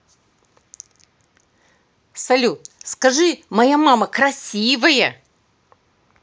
салют скажи моя мама красивая